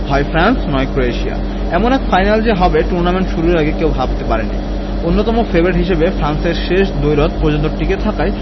হয় ফ্রান্স নয় ক্রোয়েশিয়া এমন এক ফাইনাল যে হবে টুর্নামেন্ট শুরুর আগে কেউ ভাবতে পারেননি অন্যতম ফেভারিট হিসেবে ফ্রান্সের শেষ দ্বৈরথ পর্যন্ত টিকে থাকায়